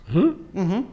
H h